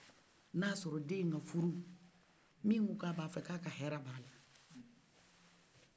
n'a sɔrɔ den ka furu min ko ka b'a fɛ k'aka hɛrɛ bala